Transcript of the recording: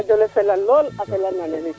ke layaa radio le fela lool a fela nanel